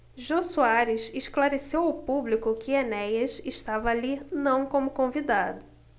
jô soares esclareceu ao público que enéas estava ali não como convidado